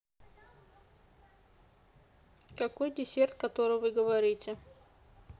какой десерт который вы говорите